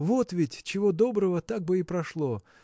вот ведь, чего доброго, так бы и прошло.